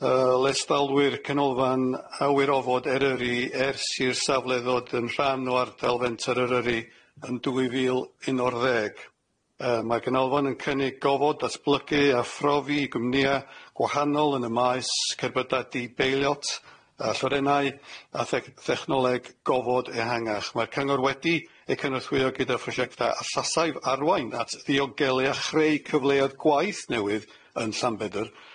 yy lestalwyr canolfan awyrofod Eryri ers i'r safle ddod yn rhan o ardal fenter Eryri yn dwy fil unorddeg yy mae ganolfan yn cynnig gofod datblygu a phrofi i gwmnïa gwahanol yn y maes cerbydau di-beiliot a llyrennau a thec- thechnoleg gofod ehangach. Mae'r cyngor wedi ei cynorthwyo gyda phrosiecta allasai arwain at ddiogelu a chreu cyfleoedd gwaith newydd yn Llanbedr,